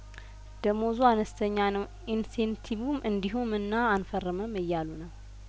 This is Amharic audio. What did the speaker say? ደሞዙ አነስተኛ ነው ኢንሴን ቲቩም እንዲሁም እና አንፈርምም እያሉ ነው